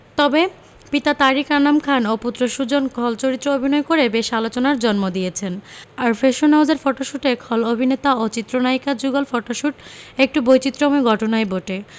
তবে পিতা তারিক আনাম খান ও পুত্র সুজন খল চরিত্রে অভিনয় করে বেশ আলোচনার জন্ম দিয়েছেন আর ফ্যাশন হাউজের ফটোশুটে খল অভিনেতা ও চিত্রনায়িকার যুগল ফটোশুট একটু বৈচিত্রময় ঘটনাই বটে